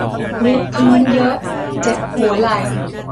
วิดพื้นเยอะเจ็บหัวไหล่